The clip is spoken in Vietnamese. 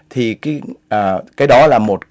thì cái ờ cái đó là một